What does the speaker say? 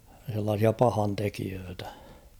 sellaisia pahantekijöitä